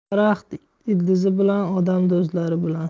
daraxt ildizi bilan odam do'stlari bilan